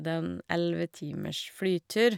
Det er en elleve timers flytur.